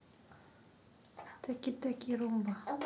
таки таки румба